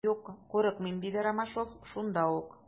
Юк, курыкмыйм, - диде Ромашов шунда ук.